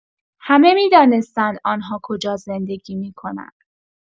همه می‌دانستند آن‌ها کجا زندگی می‌کنند.